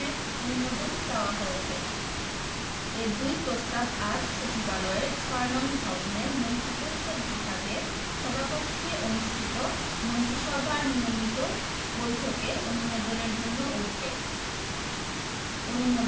এবং অপসারণের অনুমোদন চাওয়া হয়েছে এ দুই প্রস্তাব আজ সচিবালয়ের ৬ নং ভবনের মন্ত্রিপরিষদ বিভাগের সভাকক্ষে অনুষ্ঠিত মন্ত্রিসভার নিয়মিত বৈঠকে অনুমোদনের জন্য উঠবে